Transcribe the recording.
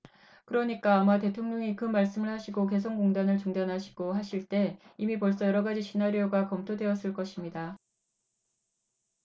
그러니까 아마 대통령이 그 말씀을 하시고 개성공단을 중단하시고 하실 때 이미 벌써 여러 가지 시나리오가 검토되었을 것입니다